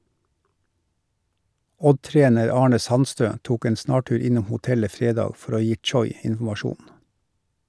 Odd-trener Arne Sandstø tok en snartur innom hotellet fredag for å gi Tchoyi informasjon.